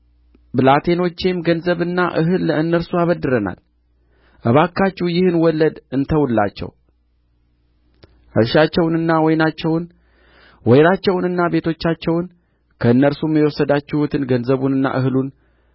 ብላቴኖቼም ገንዘብና እህል ለእነርሱ አበድረናል እባካችሁ ይህን ወለድ እንተውላቸው እርሻቸውንና ወይናቸውን ወይራቸውንና ቤታቸውንም ከእነርሱም የወሰዳችሁትን ገንዘቡንና እህሉን